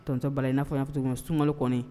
Bala in n'a y'a sɔrɔ ko sunumalo kɔni